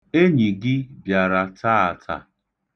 Enyi gị bịara taata.